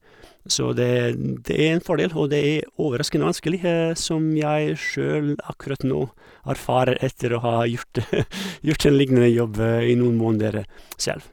Så det er det er en fordel, og det er overraskende vanskelig, som jeg sjøl akkurat nå erfarer etter å ha gjort gjort en lignende jobb i noen måneder selv.